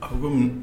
A ko kɔmi mun